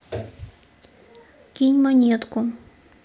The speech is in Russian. кинь монетку